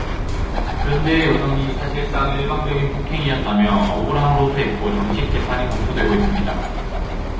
그런데 여성이 사실상 일방적인 폭행이었다며 억울함을 호소했고 정식 재판이 검토되고 있습니다